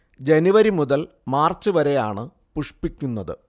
ജനുവരി മുതൽ മാർച്ച് വരെയാണ് പുഷ്പിക്കുന്നത്